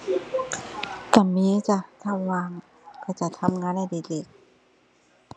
ก็มีจ้ะ ถ้าว่าง ก็จะทำงานอดิเรก